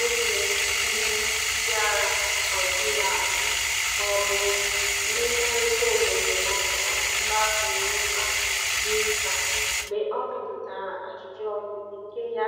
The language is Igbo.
ozi nwere ike imerụ ndịagha Algeria ahụ́ maọbụ mmekọrịta obodo maọbụ ọdịmma akụnaụba dị mkpa" mgbe o bipụtara ajụjụọnụ nke ya